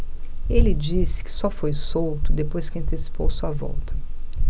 ele disse que só foi solto depois que antecipou sua volta